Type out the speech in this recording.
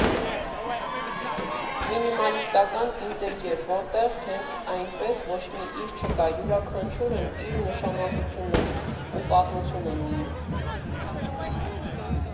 Մինիմալիստական ինտերյեր, որտեղ հենց այնպես ոչ մի իր չկա, յուրաքանչյուրն իր նշանակությունն ու պատմությունն ունի։